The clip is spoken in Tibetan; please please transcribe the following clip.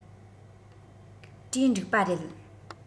གྲོས འགྲིག པ རེད